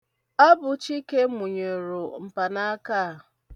Ọ bụ Chike munyụrụ mpanaaka a.